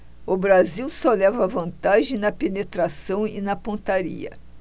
o brasil só leva vantagem na penetração e na pontaria